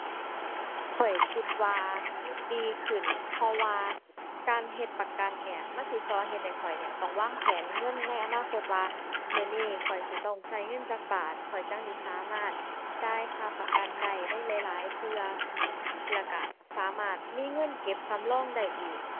ข้อยคิดว่าดีขึ้น เพราะว่าการเฮ็ดประกันเนี่ย มันสิสอนเฮ็ดให้ข้อยเนี่ยต้องวางแผนเงินในอนาคตว่า มื้อนี้ข้อยสิต้องใช้เงินจักบาท ข้อยจั่งสิสามารถจ่ายค่าประกันได้ในหลายหลายเทื่อ แล้วใช้สามารถมีเงินเก็บสำรองได้อีก